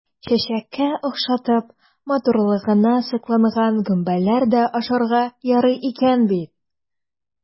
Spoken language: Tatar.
Чәчәккә охшатып, матурлыгына сокланган гөмбәләр дә ашарга ярый икән бит!